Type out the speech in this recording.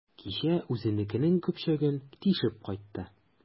Кичә үзенекенең көпчәген тишеп кайтты.